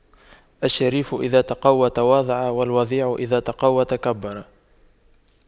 الشريف إذا تَقَوَّى تواضع والوضيع إذا تَقَوَّى تكبر